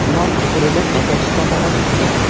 Аннан, бөтерелеп, мәтәлчек атарга тотынды...